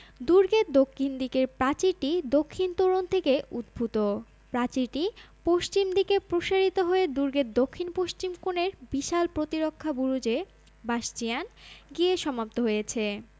দুর্গের দক্ষিণ দিকের প্রাচীরটি দক্ষিণ তোরণ থেকে উদ্ভূত প্রাচীরটি পশ্চিম দিকে প্রসারিত হয়ে দুর্গের দক্ষিণ পশ্চিম কোণের বিশাল প্রতিরক্ষা বুরুজে বাসচিয়ান গিয়ে সমাপ্ত হয়েছে